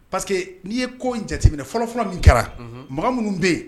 Pa parceseke que n'i ye ko jateminɛ fɔlɔfɔlɔ min kɛra makan minnu bɛ yen